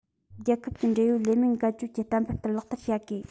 རྒྱལ ཁབ ཀྱི འབྲེལ ཡོད ལས རྨས འགན བཅོལ གྱི གཏན འབེབས ལྟར ལག བསྟར བྱ དགོས